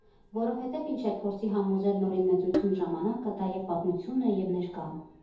Որովհետև ինչ էլ փորձի համոզել նորին մեծություն Ժամանակը, դա և՛ պատմություն է, և՛ ներկա։